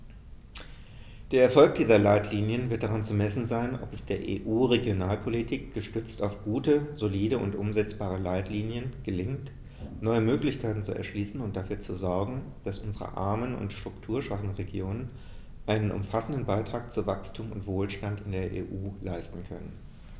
Der Erfolg dieser Leitlinien wird daran zu messen sein, ob es der EU-Regionalpolitik, gestützt auf gute, solide und umsetzbare Leitlinien, gelingt, neue Möglichkeiten zu erschließen und dafür zu sorgen, dass unsere armen und strukturschwachen Regionen einen umfassenden Beitrag zu Wachstum und Wohlstand in der EU leisten können.